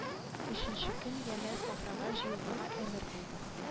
Өченче көн янә сахрага җыелмага әмер булды